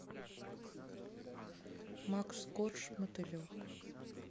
макс корж мотылек